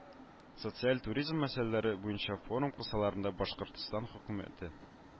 Социаль туризм мәсьәләләре буенча форум кысаларында Башкортстан Хөкүмәте